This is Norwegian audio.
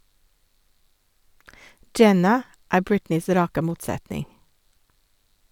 - Jenna er Britneys rake motsetning.